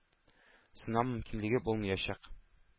Сынау мөмкинлеге булмаячак.